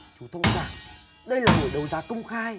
chú thông cảm đây là buổi đấu giá công khai